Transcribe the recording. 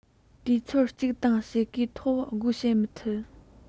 དུས ཚོད གཅིག དང ཕྱེད ཀའི ཐོག སྒོ ཕྱེ མི ཐུབ